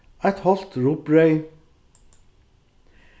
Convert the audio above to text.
eitt hálvt rugbreyð